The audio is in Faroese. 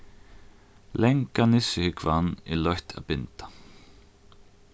langa nissuhúgvan er løtt at binda